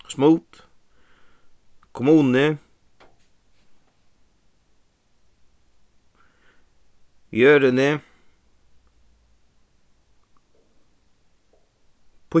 smooth kommununi jørðini